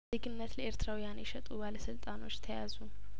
ኤግነት ለኤርትራውያን የሸጡ ባለስልጣኖች ተያዙ